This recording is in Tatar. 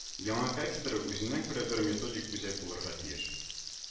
Яңа кафедра үзенә күрә бер методик үзәк булырга тиеш